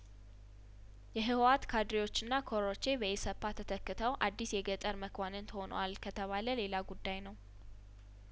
የህወሀት ካድሬዎችና ኮሮቼ በኢሰፓ ተተክተው አዲስ የገጠር መኳንንት ሆነዋል ከተባለ ሌላ ጉዳይ ነው